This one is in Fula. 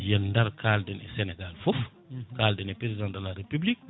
yen daaro kalden e Sénégal foof kalden e président de la république